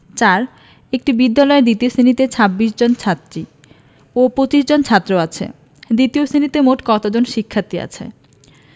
৪ একটি বিদ্যালয়ের দ্বিতীয় শ্রেণিতে ২৬ জন ছাত্রী ও ২৫ জন ছাত্র আছে দ্বিতীয় শ্রেণিতে মোট কত জন শিক্ষার্থী আছে